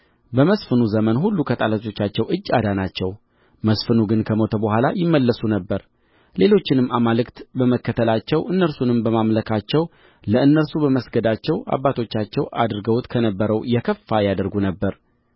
በመስፍኑ ዘመን ሁሉ ከጠላቶቻቸው እጅ አዳናቸው መስፍኑ ግን ከሞተ በኋላ ይመለሱ ነበር ሌሎችንም አማልክት በመከተላቸው እነርሱንም በማምለካቸውና ለእነርሱ በመስገዳቸው አባቶቻቸው አድርገውት ከነበረው የከፋ ያደርጉ ነበር